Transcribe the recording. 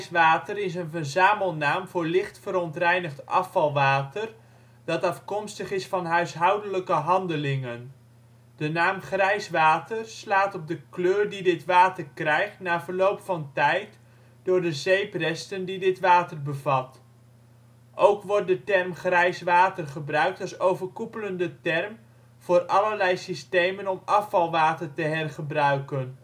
water is een verzamelnaam voor licht verontreinigd afvalwater dat afkomstig is van huishoudelijke handelingen. De naam " grijs water " slaat op de kleur die dit water krijgt na verloop van tijd door de zeepresten die dit water bevat. Ook wordt de term grijs water gebruikt als overkoepelende term voor allerlei systemen om afvalwater te hergebruiken